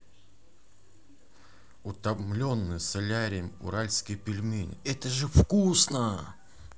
утомленные солярием уральские пельмени